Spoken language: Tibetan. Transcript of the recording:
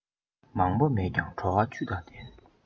མང པོ མེད ཀྱང བྲོ བ བཅུད དང ལྡན